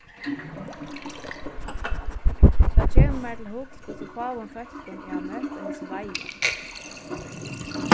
tá kemur mær til hugs hvussu fáum fólkum eg havi møtt á hesum leiðum